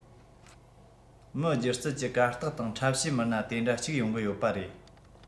མི སྒྱུ རྩལ གྱི གར སྟེགས སྟེང འཁྲབ བྱའི མི སྣ དེ འདྲ གཅིག ཡོང གི ཡོད པ རེད